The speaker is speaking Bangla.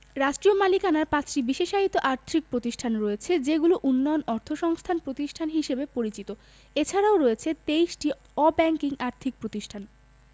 রাষ্ট্রীয় মালিকানার ৫টি বিশেষায়িত আর্থিক প্রতিষ্ঠান রয়েছে যেগুলো উন্নয়ন অর্থসংস্থান প্রতিষ্ঠান হিসেবে পরিচিত এছাড়াও রয়েছে ২৩টি অব্যাংকিং আর্থিক প্রতিষ্ঠান